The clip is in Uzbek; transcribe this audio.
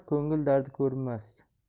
ko'ngil dardi ko'rinmas